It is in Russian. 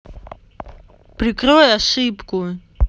прикрой ошибку